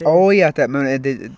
O ia de. Ma' nhw'n deu- d-